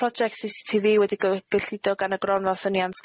prosiect See See Tee Vee wedi gy- gyllido gan y gronfa ffyniant